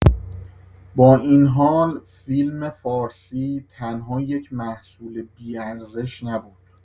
با این حال فیلم‌فارسی تنها یک محصول بی‌ارزش نبود.